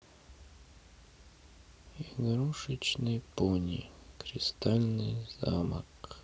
игрушечный пони кристальный замок